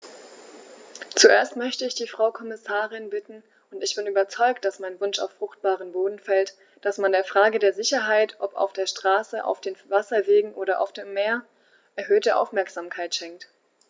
Zuerst möchte ich die Frau Kommissarin bitten - und ich bin überzeugt, dass mein Wunsch auf fruchtbaren Boden fällt -, dass man der Frage der Sicherheit, ob auf der Straße, auf den Wasserwegen oder auf dem Meer, erhöhte Aufmerksamkeit schenkt.